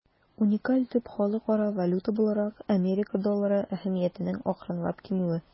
Уникаль төп халыкара валюта буларак Америка доллары әһәмиятенең акрынлап кимүе.